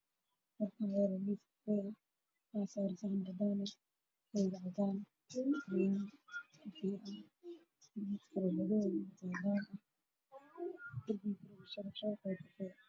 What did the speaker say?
Waa keek midabkiisu waa madow iyo caddaan